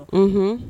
Unhun